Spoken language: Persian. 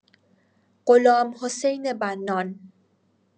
غلامحسین بنان